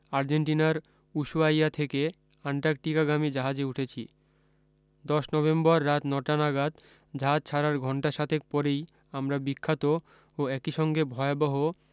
আর্জেন্টিনার উশুয়াইয়া থেকে আন্টার্টিকাগামী জাহাজে উঠেছি দশ নভেম্বর রাত নটা নাগাদ জাহাজ ছাড়ার ঘণ্টা সাতেক পরেই আমরা বিখ্যাত ও একি সঙ্গে ভয়াবহ